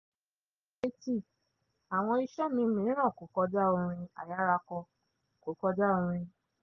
Keyti: Àwọn iṣẹ́ mi mìíràn kò kọjá orin àyárakọ, kò kọjá orin.